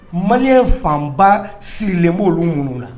Malien fanba sirilen b'olu minnu na.